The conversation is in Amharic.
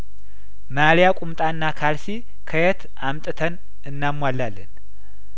ማሊያ ቁምጣና ካልሲ ከየት አምጥተን እናሟላለን